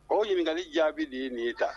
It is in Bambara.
O ɲininkali jaabi de ye nin ye ta